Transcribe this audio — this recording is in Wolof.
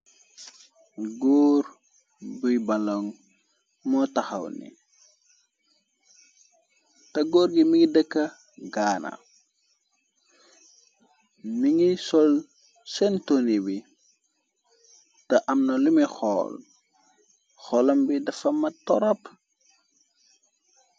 Góor bui balong moo taxaw ni ta góor bi mugi dëkka gaana ni nyugi sol seen toni wi te amna lumi xool xolam bi dafa mat torap.